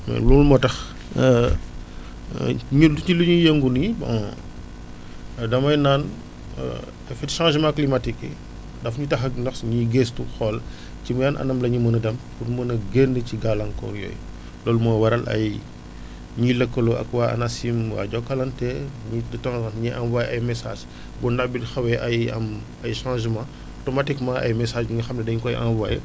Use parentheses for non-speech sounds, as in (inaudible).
loolu moo tax (hesitation) ñun si lu ñuy yëngu nii bon dama naan (hesitation) au fait changement climatique yi daf ñu tax a ndax sax ñuy gestu xool ci yan anam la ñu mën a dem pour mën a génn ci gàllankoor yooyu loolu moo waral ay (breath) ñuy lëkkaloo ak waa ANACIM waa Jokalante muy de temps énuy envoyé ay messages (breath) bu nawet bi di xawee ay am ay changement (breath) automatiquement ay messages yu nga xam ne dañu koy envoyé